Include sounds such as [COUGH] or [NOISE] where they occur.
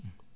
[HESITATION] [HESITATION]